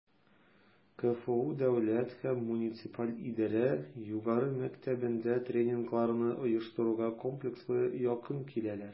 КФУ Дәүләт һәм муниципаль идарә югары мәктәбендә тренингларны оештыруга комплекслы якын киләләр: